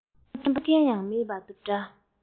རྔན པ སྤྲོད མཁན ཡང མེད པ འདྲ